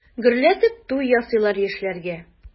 Гөрләтеп туй ясыйлар яшьләргә.